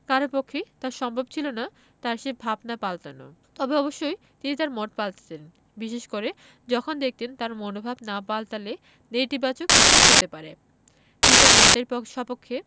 কারও পক্ষেই তা সম্ভব ছিল না তাঁর সেই ভাবনা পাল্টানো তবে অবশ্যই তিনি তাঁর মত পাল্টাতেন বিশেষ করে যখন দেখতেন তাঁর মনোভাব না পাল্টালে নেতিবাচক কিছু হতে পারে তিনি তাঁর মতের সপক্ষে